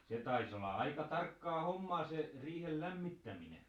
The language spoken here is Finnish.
se taisi olla aika tarkkaa hommaa se riihen lämmittäminen